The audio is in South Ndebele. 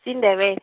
siNdebe- .